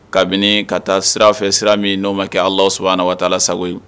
Kabini ka taa sira fɛ sira min n'o ma kɛ alasɔ waa taa sago